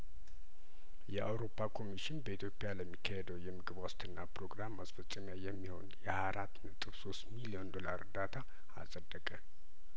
የአውሮፓ ኮሚሽን በኢትዮፕያለሚካሄደው የምግብ ዋስትና ፕሮግራም ማስፈጸሚያየሚሆን የሀያአራት ነጥብ ሶስት ሚሊዮን ዶላር እርዳታ አጸደቀ